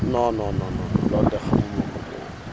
non non non loolu de xamuma ko